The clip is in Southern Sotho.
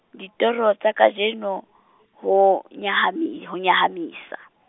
ditoro tsa kajeno, ho nyahami-, ho nyahamisa.